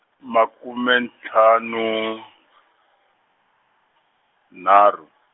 makume ntlhanu, nharhu.